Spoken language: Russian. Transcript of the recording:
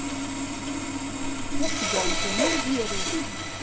я тебя уже не верю